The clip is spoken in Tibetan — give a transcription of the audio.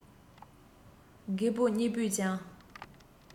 རྒད པོ གཉིས པོས ཀྱང